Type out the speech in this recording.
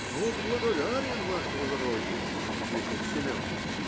- Много благодарен, ваше благородие, - ответил Семен.